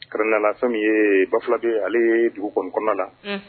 Karila fɛn ye baula de ale ye dugu kɔnɔn kɔnɔna na